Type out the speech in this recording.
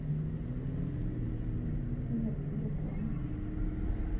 нет закон